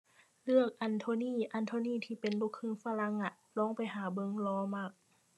เลือก Anthony Anthony ที่เป็นลูกครึ่งฝรั่งอะ ลองไปหาเบิ่ง หล่อมาก